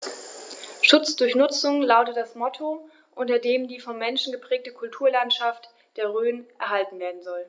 „Schutz durch Nutzung“ lautet das Motto, unter dem die vom Menschen geprägte Kulturlandschaft der Rhön erhalten werden soll.